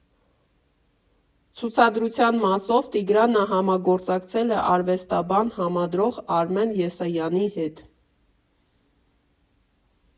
Ցուցադրության մասով Տիգրանը համագործակցել է արվեստաբան, համադրող Արմեն Եսայանցի հետ։